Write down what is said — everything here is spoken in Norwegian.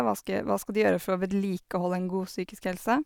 hva ske Hva skal de gjøre for å vedlikeholde en god psykisk helse?